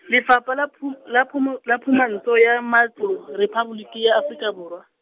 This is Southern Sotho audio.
Lefapha la Phum-, la Phumol-, la Phumantsho ya Matlo, Rephaboliki ya Afrika Borwa.